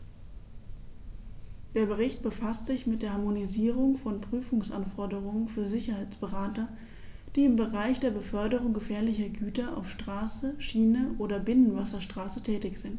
Der Bericht befasst sich mit der Harmonisierung von Prüfungsanforderungen für Sicherheitsberater, die im Bereich der Beförderung gefährlicher Güter auf Straße, Schiene oder Binnenwasserstraße tätig sind.